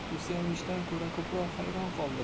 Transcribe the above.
u sevinishdan ko'ra ko'proq hayron qoldi